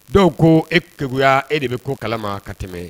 Dɔw ko, e keguya,e de bɛ ko kalama ka tɛmɛ